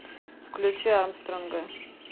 включи армстронга